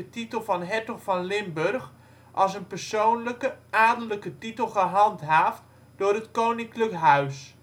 titel van hertog van Limburg als een persoonlijke, adellijke titel gehandhaafd door het Koninklijk Huis